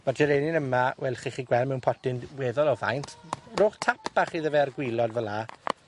ma'r Geranium yma, fel chi 'llu gweld, mewn potyn weddol o faint. Rowch tap bach iddo fe ar gwilod fela.